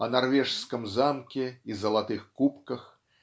о норвежском замке и золотых кубках